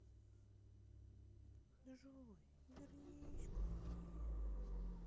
джой вернись ко мне